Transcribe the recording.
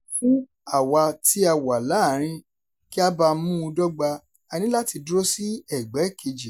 Fún àwa tí a wà láàárín, kí a ba mú un dọ́gba, a ní láti dúró sí ẹ̀gbẹ́ kejì.